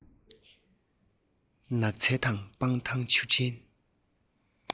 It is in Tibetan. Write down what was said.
ནགས ཚལ དང སྤང ཐང ཆུ ཕྲན